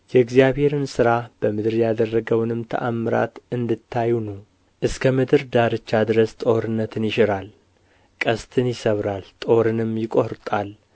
የእግዚአብሔርን ሥራ በምድር ያደረገውንም ተኣምራት እንድታዩ ኑ እስከ ምድር ዳርቻ ድረስ ጦርነት ይሽራል ቀስትን ይሰብራል ጦርንም ይቈርጣል